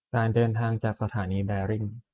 การเดินทางจากสถานีแบริ่ง